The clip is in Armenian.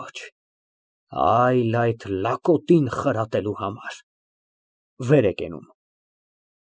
Ոչ, այլ այդ լակոտին խրատելու համար։ (Վեր է կենում)։